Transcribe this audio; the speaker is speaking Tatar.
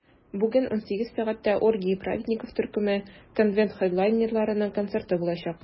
Бүген 18 сәгатьтә "Оргии праведников" төркеме - конвент хедлайнерларының концерты булачак.